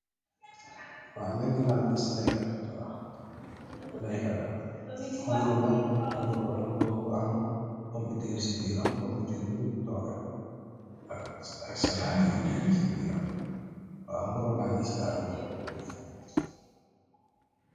Lekka la gis, lekka la, mburu bu am pompitèèr ci biir, pompitèèr buñ togga ak ay salat yi ni ci biir ram.